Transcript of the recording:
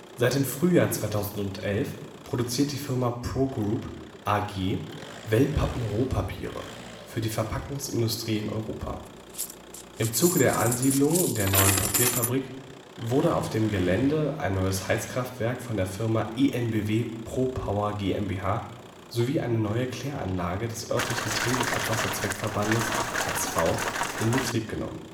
Seit dem Frühjahr 2011 produziert die Firma Progroup AG, Wellpappen-Rohpapiere für die Verpackungsindustrie in Europa. Im Zuge der Ansiedelung der neuen Papierfabrik wurde auf dem Gelände ein neues Heizkraftwerk von der Firma EnBW Propower GmbH sowie eine neue Kläranlage des örtlichen Trink - und Abwasserzweckverbandes in Betrieb genommen